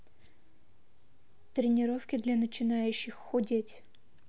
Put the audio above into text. тренировки для начинающих худеть